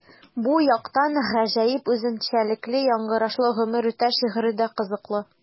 Бу яктан гаҗәеп үзенчәлекле яңгырашлы “Гомер үтә” шигыре дә кызыклы.